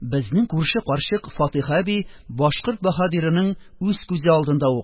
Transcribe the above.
Безнең күрше карчык Фатыйха әби башкорт баһадирының үз күзе алдында ук: